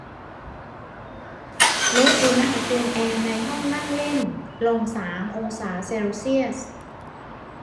ลดอุณหภูมิแอร์ในห้องนั่งเล่นลงสามองศาเซลเซียส